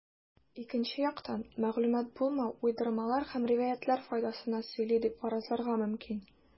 Икенче яктан, мәгълүмат булмау уйдырмалар һәм риваятьләр файдасына сөйли дип фаразларга мөмкин.